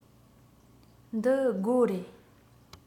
འདི སྒོ རེད